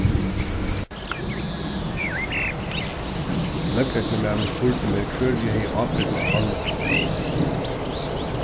løgreglumaðurin spurdi meg hvør ið hevði ábyrgdina av vanlukkuni